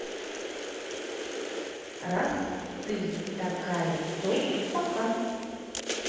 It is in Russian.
раз ты такая то пока